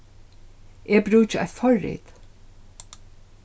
eg brúki eitt forrit